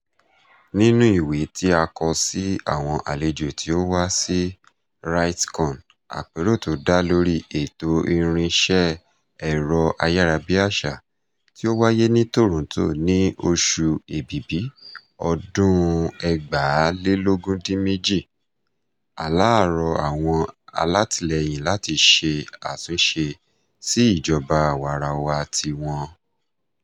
Ní inú ìwé tí a kọ sí àwọn àlejò tí ó wá sí RightsCon, àpérò tó dá lórí ẹ̀tọ́ irinṣẹ́ ẹ̀rọ-ayárabíaṣá tí ó wáyé ní Toronto nínú oṣù Èbìbì ọdún 2018, Alaa rọ àwọn alátìlẹ́yìn láti “ṣe àtúnṣe sí ìjọba àwa-arawa ti wọn”.